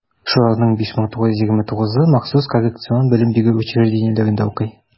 Шуларның 5929-ы махсус коррекцион белем бирү учреждениеләрендә укый.